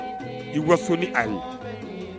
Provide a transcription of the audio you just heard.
I waso ni a ye!